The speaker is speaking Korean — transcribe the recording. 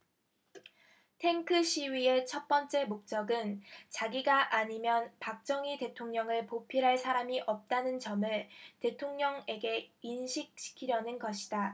탱크 시위의 첫 번째 목적은 자기가 아니면 박정희 대통령을 보필할 사람이 없다는 점을 대통령에게 인식시키려는 것이다